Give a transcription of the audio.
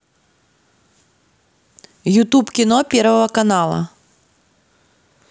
ютуб кино первого канала